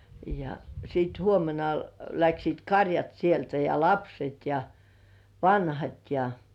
ja sitten huomenna lähtivät karjat sieltä ja lapset ja vanhat ja